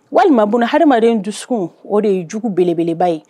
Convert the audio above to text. Walima bon hadamaden dusu sun o de yejugu belebeleba ye